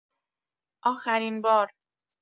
آخرین‌بار